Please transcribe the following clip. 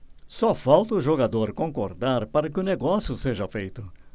só falta o jogador concordar para que o negócio seja feito